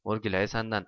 o'rgulay sandan